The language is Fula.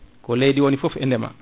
ko leydi woni foof e ndeema